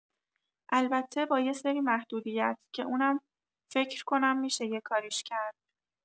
البته با یه سری محدودیت که اونم فکر کنم می‌شه یه کاریش کرد.